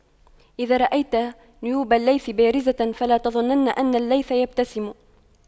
إذا رأيت نيوب الليث بارزة فلا تظنن أن الليث يبتسم